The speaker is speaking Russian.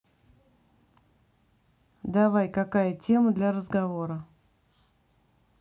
давай какая тема для разговора